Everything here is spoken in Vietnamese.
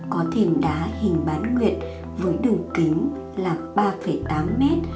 có thềm đá hình bán nguyệt với đường kính là m